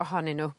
ohonyn n'w